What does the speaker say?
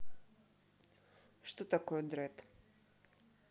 что такое дредд